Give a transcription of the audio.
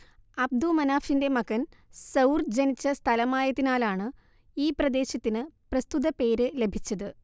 അബ്ദുമനാഫിന്റെ മകൻ സൌർ ജനിച്ച സ്ഥലമായതിനാലാണ് ഈ പ്രദേശത്തിന് പ്രസ്തുത പേര് ലഭിച്ചത്